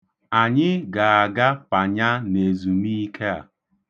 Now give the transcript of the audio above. Anyị ga-aga Panya n'ezimiike a.